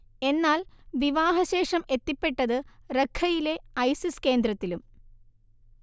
എന്നാൽ, വിവാഹശേഷം എത്തിപ്പെട്ടത് റഖയിലെ ഐസിസ് കേന്ദ്രത്തിലും